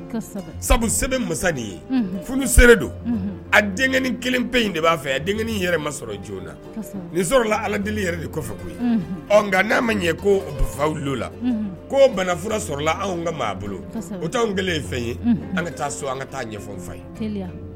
Sabu a deni kelen pe in de b'a fɛ den yɛrɛ ma sɔrɔ jɔn ni sɔrɔla ala delieli yɛrɛ de kɔfɛ koyi n'a ma ɲɛ kofa la banaf anw ka maa bolo o' anw kɛlen ye fɛn ye an ka taa so an ka taa ɲɛfɔ fa ye